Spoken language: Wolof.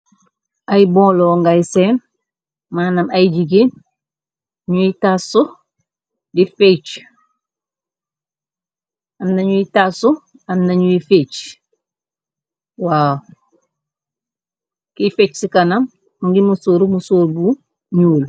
Ay boolo ngè senn, manam ay jigèen, nungi taasu di fetch. Amna nye taasu, amna nye fetch waw. ki fetch ci kanam mungi musóor, musoor bi ñuul.